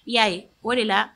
Yaa o de la